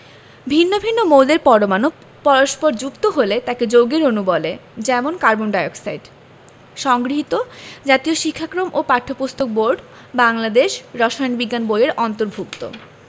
ভিন্ন ভিন্ন মৌলের পরমাণু পরস্পর যুক্ত হলে তাকে যৌগের অণু বলে যেমন কার্বন ডাই অক্সাইড সংগৃহীত জাতীয় শিক্ষাক্রম ও পাঠ্যপুস্তক বোর্ড বাংলাদেশ রসায়ন বিজ্ঞান বই এর অন্তর্ভুক্ত